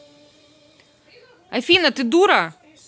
афина ты дура